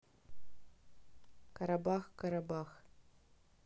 карабах карабах